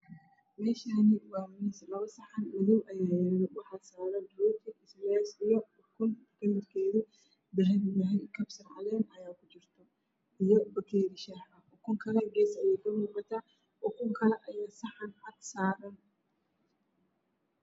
Waa miis labo saxan oo madow ayaa saaran waxaa yaalo rooti iyo ukun kalarkeedu dahabi yahay kabsar caleen ayaa kujirto. Bakeeri shaax ah ayaa yaalo. Ukun kale ayaa saxan cad saaran.